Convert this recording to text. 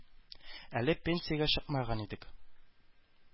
Әле пенсиягә чыкмаган идек.